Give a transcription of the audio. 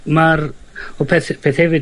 Ma'r... O peth, peth hefyd